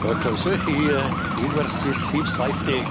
Wel croeso i chi yy i wersyll rhif saith deg...